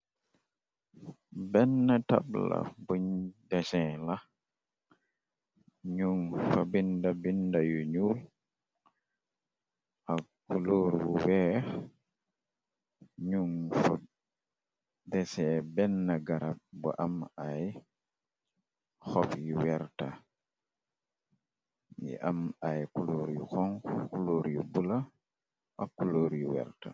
Benni tabla buñ desin la, ñu fa binda binda yu ñuul ak kulóor bu weex, ñu fa desin benni garab bu am ay xob yu werta, am ay kuloor yu xonxu, kuloor yu bula, ak kuloor yu werta.